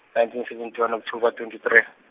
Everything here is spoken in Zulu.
nineteen seventy one October twenty three.